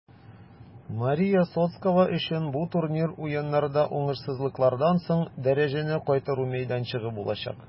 Мария Сотскова өчен бу турнир Уеннарда уңышсызлыклардан соң дәрәҗәне кайтару мәйданчыгы булачак.